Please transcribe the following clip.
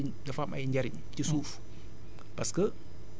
mais matière organique boobu noonu ci ay dafa am ay njëriñ